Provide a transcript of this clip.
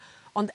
Ond